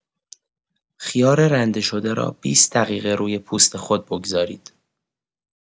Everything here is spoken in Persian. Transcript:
خیار رنده شده را ۲۰ دقیقه روی پوست خود بگذارید.